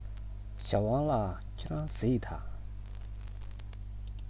ཞའོ ཝང ལགས ཁྱེད རང གཟིགས དང